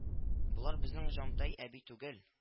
Болар безнең Җантай әби түгел